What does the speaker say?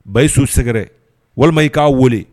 Bayisu sɛgɛrɛ walima i k'a wele